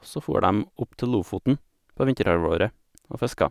Og så for dem opp til Lofoten på vinterhalvåret og fiska.